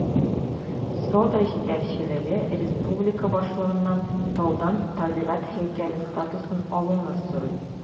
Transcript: Сода җитәкчелеге республика башлыгыннан таудан табигать һәйкәле статусын алуны сорый.